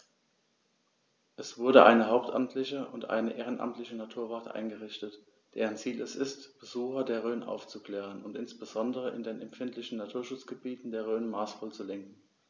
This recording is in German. Es wurde eine hauptamtliche und ehrenamtliche Naturwacht eingerichtet, deren Ziel es ist, Besucher der Rhön aufzuklären und insbesondere in den empfindlichen Naturschutzgebieten der Rhön maßvoll zu lenken.